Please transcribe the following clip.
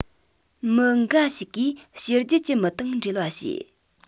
མི འགའ ཞིག གིས ཕྱི རྒྱལ གྱི མི དང འབྲེལ བ བྱེད